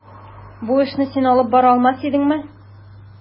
Бу эшне син алып бара алмас идеңме?